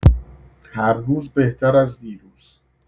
هر روز بهتر از دیروز.